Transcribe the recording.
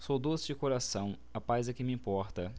sou doce de coração a paz é que me importa